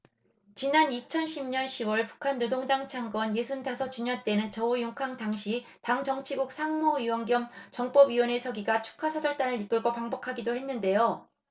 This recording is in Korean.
지난 이천 십 년 시 월 북한 노동당 창건 예순 다섯 주년 때는 저우융캉 당시 당 정치국 상무위원 겸 정법위원회 서기가 축하사절단을 이끌고 방북하기도 했는데요